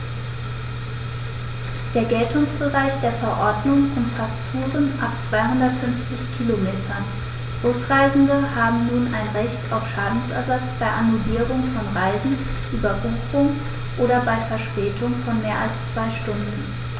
Der Geltungsbereich der Verordnung umfasst Touren ab 250 Kilometern, Busreisende haben nun ein Recht auf Schadensersatz bei Annullierung von Reisen, Überbuchung oder bei Verspätung von mehr als zwei Stunden.